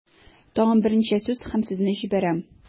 Тагын берничә сүз һәм сезне җибәрәм.